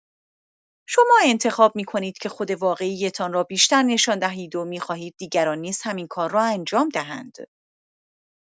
شما انتخاب می‌کنید که خود واقعی‌تان را بیشتر نشان دهید و می‌خواهید دیگران نیز همین کار را انجام دهند.